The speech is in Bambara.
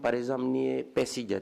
Bazme ye bɛɛ sija